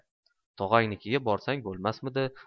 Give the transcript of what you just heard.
tog'angnikiga borsang bo'lmasmidi